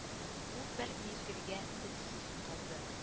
Ул бер мизгелгә телсез калды